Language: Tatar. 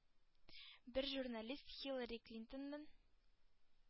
Бер журналист хиллари клинтоннан: “